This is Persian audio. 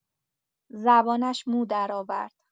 زبانش مو درآورد